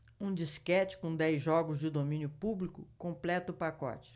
um disquete com dez jogos de domínio público completa o pacote